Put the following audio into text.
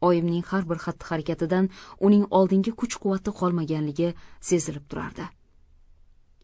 oyimning har bir xatti harakatidan uning oldingi kuch quvvati qolmaganligi sezilib turardi